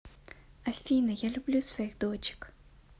афина я люблю своих дочек